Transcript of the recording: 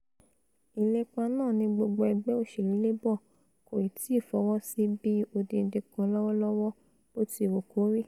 Ìlépa náà ni gbogbo Ẹgbẹ́ Òṣèlú Labour kò tíì fọwọsí bíi odidi kan lọ́wọ́lọ́wọ́, botiwukori.